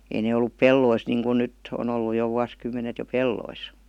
ei ne ollut pelloissa niin kuin nyt on ollut jo vuosikymmenet jo pelloissa